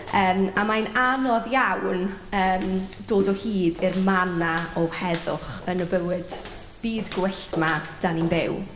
Yym, a mae'n anodd iawn yym dod o hyd i'r man 'na o heddwch yn y bywyd... byd gwyllt 'ma dan ni'n byw.